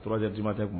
3 heures du matin tuma